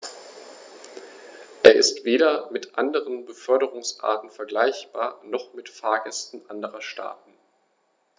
Er ist weder mit anderen Beförderungsarten vergleichbar, noch mit Fahrgästen anderer Staaten.